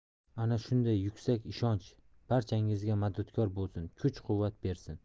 ana shunday yuksak ishonch barchangizga madadkor bo'lsin kuch quvvat bersin